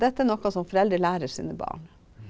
dette er noe som foreldre lærer sine barn.